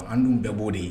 An dun bɛɛ b'o de ye